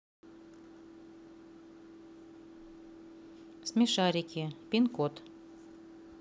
смешарики пин код